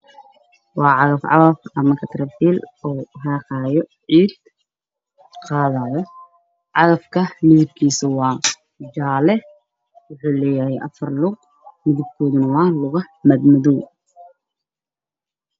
Waa calaf cagaf midabkeedu yahay jaallo waxa ay guray saacid waxaa ka hor yaalla guri dabaq ah oo dhisme ku socda